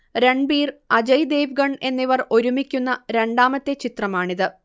രൺബീർ അജയ് ദേവ്ഗൺ എന്നിവർ ഒരുമിക്കുന്ന രണ്ടാമത്തെ ചിത്രമാണിത്